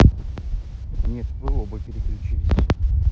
нет вы оба переключились